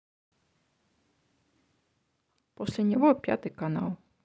после него пятый канал